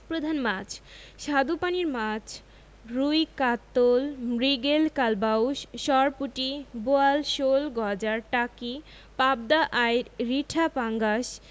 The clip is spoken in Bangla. প্রধান মাছঃ স্বাদুপানির মাছ রুই কাতল মৃগেল কালবাউস সরপুঁটি বোয়াল শোল গজার টাকি পাবদা আইড় রিঠা পাঙ্গাস